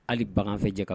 Hali baganfɛ jɛ ka f